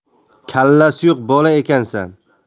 kallasi yo'q bola ekansan